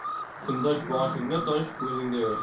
kundosh boshingda tosh ko'zingda yosh